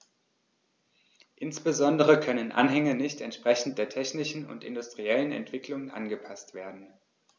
Insbesondere können Anhänge nicht entsprechend der technischen und industriellen Entwicklung angepaßt werden.